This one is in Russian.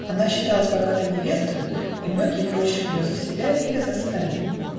Она считалась богатой невестою, и многие прочили ее за себя или за сыновей.